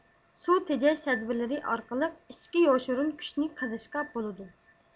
سۇ تېجەش تەدبىرلىرى ئارقىلىق ئىچكى يوشۇرۇن كۈچنى قېزىشقا بولىدۇ